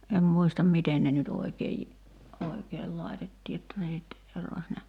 en muista miten ne nyt oikein oikein laitettiin jotta ne nyt erosi ne